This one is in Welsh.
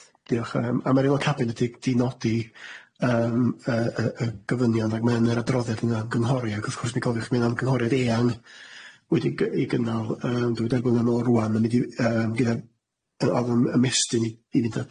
Diolch yym a ma' ril y cabinet di- di- nodi yym yy yy y gofynion ag ma' yn yr adroddiad yna'n gynghori ag wrth gwrs ni'n cofio chdi'n myn' ar gynghoriad eang wedi gy- i gynnal yym dwy deg mlynedd yn ôl rŵan ma'n mynd i yy gyda by- o'dd yn ymestyn i i fynd â'r